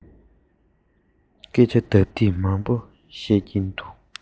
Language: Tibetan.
སྐད ཆ ལྡབ ལྡིབ མང པོ ཞིག བཤད ཀྱིན འདུག